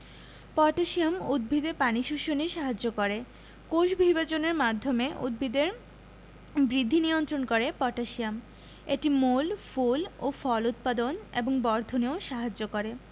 potassium উদ্ভিদে পানি শোষণে সাহায্য করে কোষবিভাজনের মাধ্যমে উদ্ভিদের বৃদ্ধি নিয়ন্ত্রণ করে পটাশিয়াম এটি মূল ফুল ও ফল উৎপাদন এবং বর্ধনেও সাহায্য করে